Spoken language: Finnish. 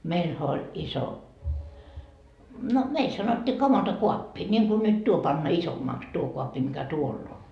meillähän oli iso no meillä sanottiin kamantokaappi niin kuin nyt tuo panna isommaksi tuo kaappi mikä tuolla on